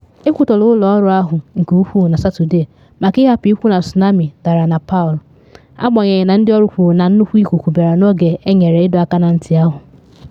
Ekwutọrọ ụlọ ọrụ ahụ nke ukwuu na Satọde maka ịhapụ ikwu na tsunami dara na Palu, agbanyeghị na ndị ọrụ kwuru na nnukwu ikuku bịara n’oge enyere ịdọ aka na ntị ahụ.